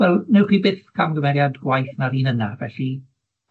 Wel wnewch chi byth camgymeriad gwaeth na'r un yna, felly